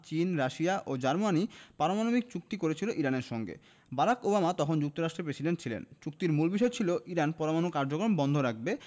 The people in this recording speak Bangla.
চীন রাশিয়া ও জার্মানি পারমাণবিক চুক্তি করেছিল ইরানের সঙ্গে বারাক ওবামা তখন যুক্তরাষ্ট্রের প্রেসিডেন্ট ছিলেন চুক্তির মূল বিষয় ছিল ইরান পরমাণু কার্যক্রম বন্ধ রাখবে